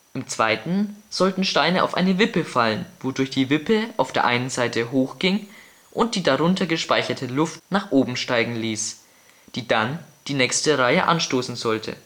Im zweiten sollten Steine auf eine Wippe fallen wodurch die Wippe auf der einen Seite hochging und darunter gespeicherte Luft nach oben steigen ließ, die dann die nächste Reihe anstoßen sollte